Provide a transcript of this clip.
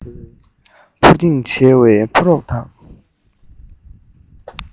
འཕུར ལྡིང བྱེད བའི ཕོ རོག དག